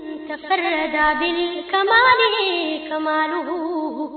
I tafara dabili kamalii kamaluu